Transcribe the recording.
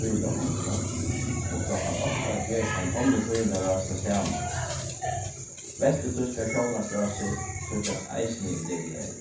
tíðindafundinum og klokkan átta ger ein onnur tíðindarás tað sama vesturtýskar sjónvarpsrásir síggjast eisini í ddr